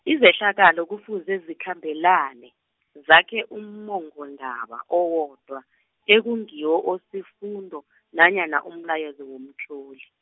izehlakalo kufuze zikhambelane, zakhe ummongondaba owodwa ekungiwo osifundo, nanyana umlayezo womtloli.